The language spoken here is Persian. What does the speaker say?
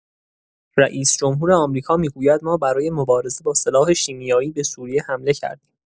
رئیس‌جمهور آمریکا می‌گوید ما برای مبارزه با سلاح شیمیایی به سوریه حمله کردیم؛